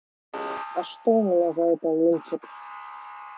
а что у меня за это лунтик